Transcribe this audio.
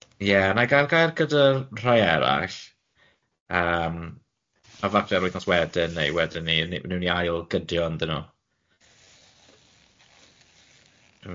Do wnes i yym. Ie wna i gael gair gyda rhai eraill yym a falle'r wythnos wedyn neu wedyn ny nawn ni ail gydio ynddyn nw?